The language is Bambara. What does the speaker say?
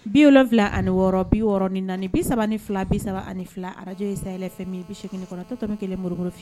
Bi ofila ani wɔɔrɔ bi6 ni bi saba ni fila bi saba ani fila araj ye say bi segin kɔnɔ to tɔ kelen morikɔrɔfin